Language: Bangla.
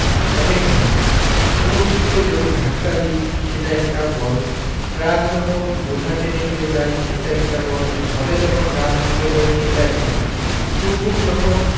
অনেক ধরনের কোনো কিছুকে যদি ধাক্কা দিই সেটা একটা বল ট্রাক যখন বোঝা টেনে নিয়ে যায় সেটা একটা বল ঝড়ে যখন গাছ উপড়ে পড়ে সেটা একটা বল চুম্বক যখন